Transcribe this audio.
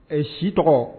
E si tɔgɔ